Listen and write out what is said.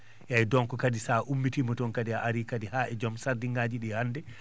eeyi donc kadi sa ummitiima toon kadi a arii kadi haa e joom sardiŋaaji ɗi hannde